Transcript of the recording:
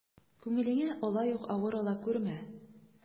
Күңелеңә алай ук авыр ала күрмә.